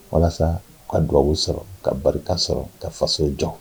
Walasa ka dubabu sɔrɔ ka barika sɔrɔ ka faso jɔ